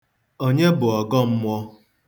Onye bụ ọgọmmụọ?